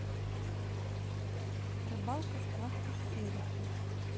рыбалка сплав истерики